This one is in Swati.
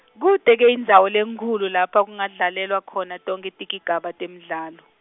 kute-ke indzawo lenkhulu lapho kungadlalelwa khona tonkhe tigigaba temdlalo.